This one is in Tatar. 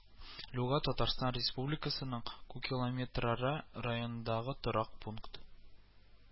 Люга Татарстан Республикасының Кукилометрара районындагы торак пункт